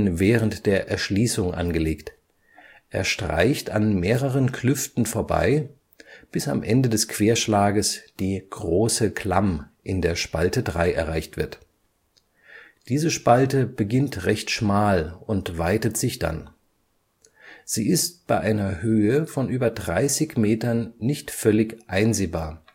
während der Erschließung angelegt. Er streicht an mehreren Klüften vorbei, bis am Ende des Querschlages die Große Klamm in der Spalte 3 erreicht wird. Diese Spalte beginnt recht schmal und weitet sich dann. Sie ist bei einer Höhe von über 30 Metern nicht völlig einsehbar